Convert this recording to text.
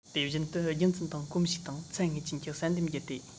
དེ བཞིན དུ རྒྱུད འཛིན དང གོམས གཤིས དང ཚད ངེས ཅན གྱི བསལ འདེམས བརྒྱུད དེ